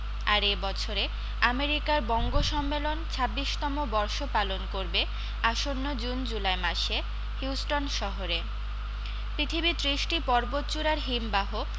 আর এ বছরে আমেরিকার বঙ্গ সম্মেলন ছাব্বিশতম বর্ষ পালন করবে আসন্ন জুন জুলাই মাসে হিউস্টন শহরে পৃথিবীর ত্রিশটি পর্বতচূড়ার হিমবাহ